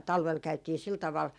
talvella käytiin sillä tavalla